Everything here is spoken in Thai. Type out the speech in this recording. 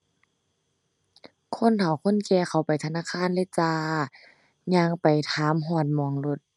คนเฒ่าคนแก่เขาไปธนาคารเลยจ้า ย่างไปถามฮอดหม้องโลด